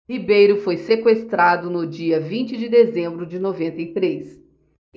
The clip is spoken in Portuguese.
ribeiro foi sequestrado no dia vinte de dezembro de noventa e três